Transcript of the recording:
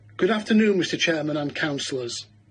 Good afternoon Mr Chairman and councillors.